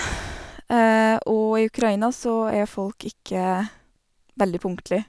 Og i Ukraina så er folk ikke veldig punktlig.